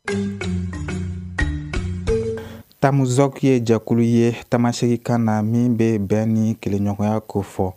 Ta ye jakulu ye taamase ka na min bɛ bɛn ni keɲɔgɔnya ko fɔ